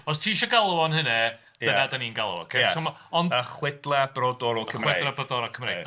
Os ti isio galw fo'n hynna, dyna dan ni'n galw o... Ia... Ocê, so, ma' ond- Y chwedlau brodorol Cymreig... Y chwedlau brodorol Cymreig.